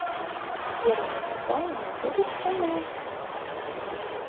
первое задание завершено